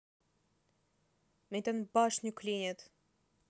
метан башню клинит